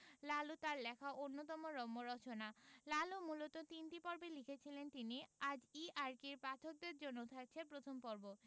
লালু তার লেখা অন্যতম রম্য রচনা লালু মূলত তিনটি পর্বে লিখেছিলেন তিনি আজ ইআরকির পাঠকদের জন্যে থাকছে প্রথম পর্ব